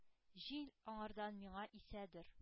Җил аңардан миңа исәдер?